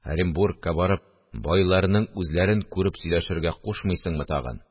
Оренбурга барып, байларның үзләрен күреп сөйләшергә кушмыйсыңмы тагын